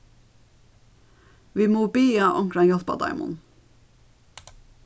vit mugu biðja onkran hjálpa teimum